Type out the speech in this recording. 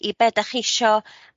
i be' 'dach chi eisio